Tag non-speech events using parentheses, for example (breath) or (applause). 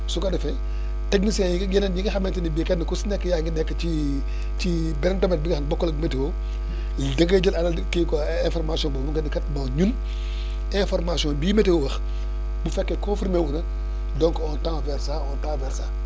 su ko defee (breath) techniciens yeneen yi nga xamante ne bii kenn ku si nekk yaa ngi nekk ci (hesitation) ci beneen domaine bi nga xam bokkul ak météo (breath) dangay jël alal di kii quoi information boobu nga ne kat bon ñun (breath) information bii météo wax bu fekkee confirmé wu na donc on tend vers ça on tend vers ça